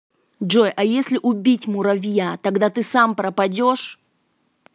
джой а если убить муровья тогда ты сам пропадешь